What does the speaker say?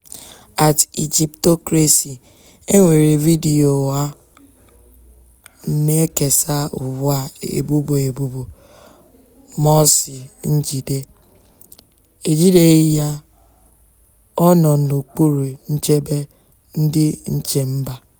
@Egyptocracy: Enwere vidiyo ụgha na-ekesa ugbu a ebubo ebubo "#Morsi njide", ejideghị ya, ọ nọ n'okpuru nchebe ndị nche mba.